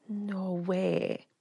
No wê!